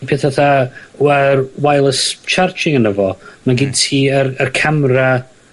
un peth fatha wire- wireless charging yno fo, ma'n gen ti yr y camera